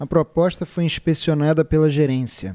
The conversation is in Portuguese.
a proposta foi inspecionada pela gerência